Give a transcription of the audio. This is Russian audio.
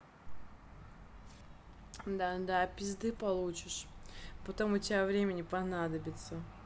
да да пизды получишь потом у тебя время не понадобиться